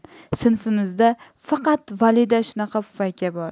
sinfimizda faqat valida shunaqa pufayka bor